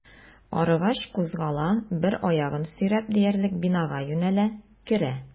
Арыгач, кузгала, бер аягын сөйрәп диярлек бинага юнәлә, керә.